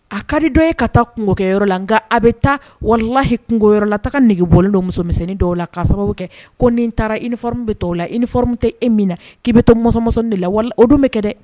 A ka dɔ ye ka taa kungokɛyɔrɔ la nka a bɛ taa walahi kungoyɔrɔ taga negebɔlen don muso misɛnnin dɔw la k'a sababu kɛ ko ni n taara uniforme bɛ tɔw la uniforme tɛ e min na k'i bɛ to mɔsɔn-mɔsɔnni de la wa o dun bɛ kɛ dɛ